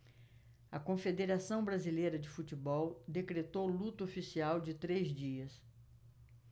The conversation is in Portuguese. a confederação brasileira de futebol decretou luto oficial de três dias